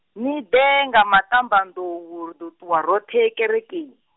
ni ḓe nga maṱambanḓou ri ḓo ṱuwa roṱhe kerekeni.